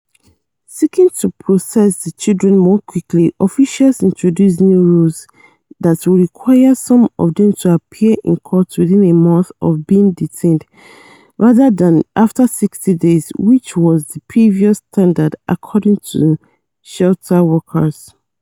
Seeking to process the children more quickly, officials introduced new rules that will require some of them to appear in court within a month of being detained, rather than after 60 days, which was the previous standard, according to shelter workers.